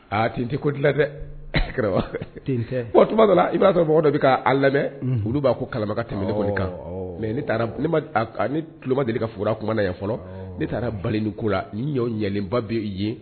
A tin tɛ kodi tin tɛ tuma b'a la i b'a sɔrɔ dɔ bɛ'a lamɛn olu b'a ko kalaba ka tɛmɛ kɔni kan mɛ ne taara ni tuloloma deli ka foro tuma na fɔlɔ ne taara ba ko la ni ɲɔ ɲɛlenba b'i ye